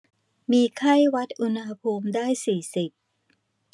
มีไข้วัดอุณหภูมิได้สี่สิบ